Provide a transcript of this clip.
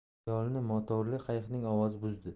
xayolini motorli qayiqning ovozi buzdi